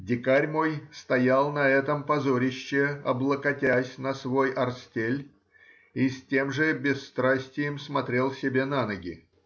Дикарь мой стоял на этом позорище, облокотясь на свой орстель, и с тем же бесстрастием смотрел себе на ноги.